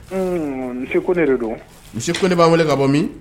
H misi ko ne de don misi ko ne b'a wele ka bɔ min